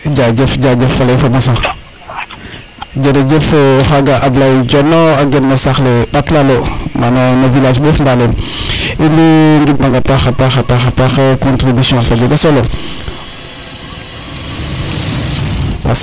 jajajef faley fa mosa jerejef o xaga Ablaye Dione o a gen no saax le Mbak Lalo mana no village Mbof mbaleme in way ngid manga paxa paxa paax contribution of a jega solo